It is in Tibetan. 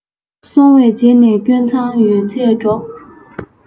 སོང བའི རྗེས ནས སྐྱོན མཚང ཡོད ཚད སྒྲོག